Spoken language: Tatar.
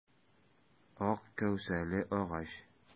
Ак кәүсәле агач.